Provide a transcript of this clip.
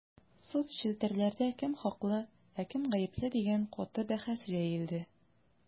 Соцчелтәрләрдә кем хаклы, ә кем гапле дигән каты бәхәс җәелде.